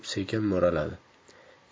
sekin mo'raladi